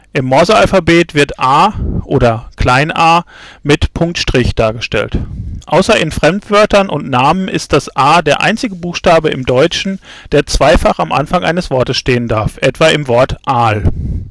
Im Morsealphabet wird A oder a mit •– dargestellt. Außer in Fremdwörtern und Namen ist das A der einzige Buchstabe im Deutschen, der zweifach am Anfang eines Wortes stehen darf, etwa im Wort Aal